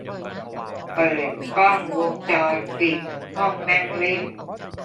เปิดกล้องวงจรปิดห้องนั่งเล่น